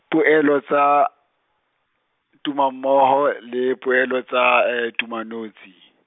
poelo tsa, tumammoho, le poelo tsa tumanotshi.